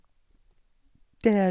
Det...